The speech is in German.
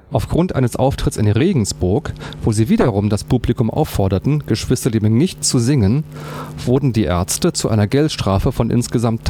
Aufgrund eines Auftritts in Regensburg, wo sie wiederum das Publikum aufforderten, „ Geschwisterliebe “nicht zu singen, wurden die Ärzte zu einer Geldstrafe von insgesamt